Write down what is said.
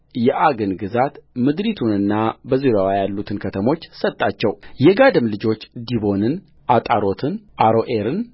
የዐግን ግዛት ምድሪቱንና በዙሪያዋ ያሉትን ከተሞች ሰጣቸውየጋድም ልጆች ዲቦንን አጣሮትን አሮዔርን